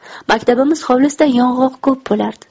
maktabimiz hovlisida yong'oq ko'p bo'lardi